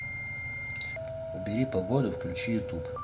убери погоду включи ютуб